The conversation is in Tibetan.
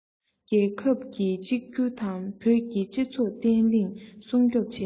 རྒྱལ ཁབ ཀྱི གཅིག གྱུར དང བོད ཀྱི སྤྱི ཚོགས བརྟན ལྷིང སྲུང སྐྱོང བྱས པ